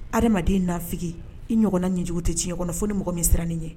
Adamadamaden nanfi i ɲɔgɔn na ɲijugu tɛ tiɲɛɲɛ kɔnɔ fɔ ni mɔgɔ min siran nin ɲɛ